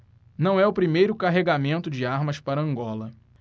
não é o primeiro carregamento de armas para angola